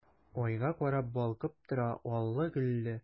Айга карап балкып тора аллы-гөлле!